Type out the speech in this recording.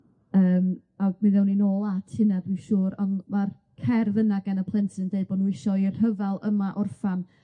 yym a mi ddown ni nôl at hynna dwi'n siŵr ond ma'r cerdd yna gen y plentyn yn deud bo' nw isio i'r rhyfal yma orffan